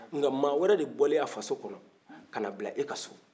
nka maa wɛrɛ de bɔlen a faso kɔnɔ ka na bila e ka so